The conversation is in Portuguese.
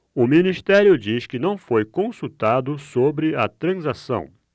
o ministério diz que não foi consultado sobre a transação